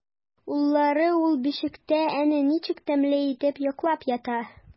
Уллары ул бишектә әнә ничек тәмле итеп йоклап ята!